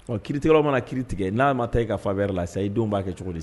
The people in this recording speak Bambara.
Ɔ kitigɛ yɔrɔ mana ki tigɛ n'a ma ta i ka fa wɛrɛ la sa i denw b'a kɛ cogo di